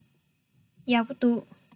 ཡག པོ འདུག